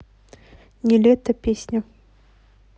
нилетто песня